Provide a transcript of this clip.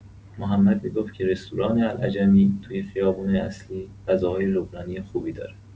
محمد می‌گفت که رستوران العجمی توی خیابون اصلی غذاهای لبنانی خوبی داره.